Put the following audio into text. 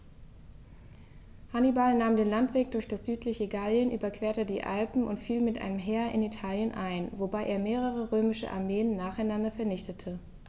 Hannibal nahm den Landweg durch das südliche Gallien, überquerte die Alpen und fiel mit einem Heer in Italien ein, wobei er mehrere römische Armeen nacheinander vernichtete.